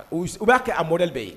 U b'a kɛ a mɔda bɛ ye